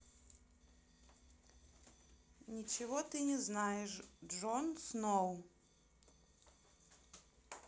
ничего ты не знаешь джон сноу